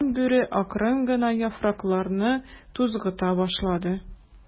Шуннан Бүре акрын гына яфракларны тузгыта башлады.